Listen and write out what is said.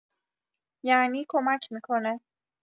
یعنی کمک می‌کنه.